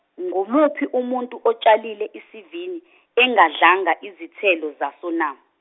ngumuphi umuntu otshalile isivini, engadlanga izithelo zaso na?